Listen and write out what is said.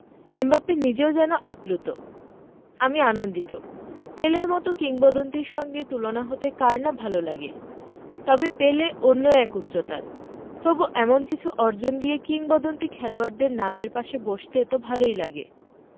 Mbappe নিজেও যেন আপ্লুত আমি আনন্দিত পেলের মতো কিংবদন্তির সঙ্গে তুলনা হতে কার না ভালো লাগে তবে পেলে অন্য এক উচ্চতার তবু এমন কিছু অর্জন দিয়ে কিংবদন্তি খেলোয়াড়দের নামের পাশে বসতে তো ভালোই লাগে